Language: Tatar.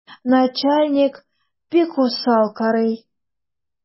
Начальник бик усал карый.